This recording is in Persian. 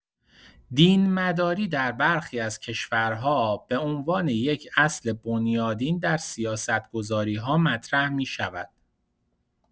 دین‌مداری در برخی از کشورها به‌عنوان یک اصل بنیادین در سیاست‌گذاری‌ها مطرح می‌شود.